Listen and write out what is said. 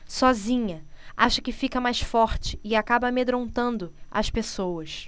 sozinha acha que fica mais forte e acaba amedrontando as pessoas